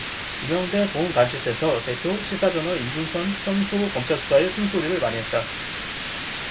윤영대 본감시센터 대표 시사저널 임준선 평소 검찰수사에 쓴소리를 많이 했다